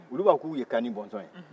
olu b'a fɔ k'u ye kani bɔnsɔnw ye